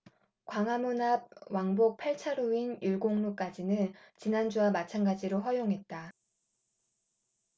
광화문 앞 왕복 팔 차로인 율곡로까지는 지난주와 마찬가지로 허용했다